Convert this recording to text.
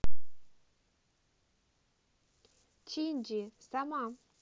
chingy сама